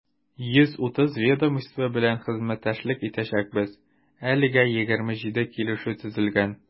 130 ведомство белән хезмәттәшлек итәчәкбез, әлегә 27 килешү төзелгән.